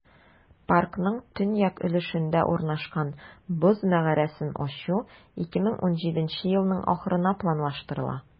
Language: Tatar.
Паркның төньяк өлешендә урнашкан "Боз мәгарәсен" ачу 2017 елның ахырына планлаштырыла.